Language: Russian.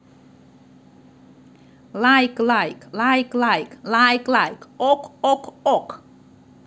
лайк лайк лайк лайк лайк лайк ок ок ок